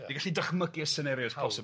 Ni'n gallu dychmygu'r scenarios posib.